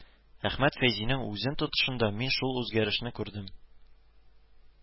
Әхмәт Фәйзинең үзен тотышында мин шул үзгәрешне күрдем